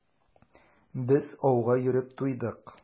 Без ауга йөреп туйдык.